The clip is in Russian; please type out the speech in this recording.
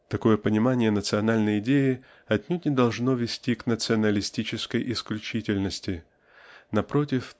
Такое понимание национальной идеи отнюдь не должно вести к националистической исключительности напротив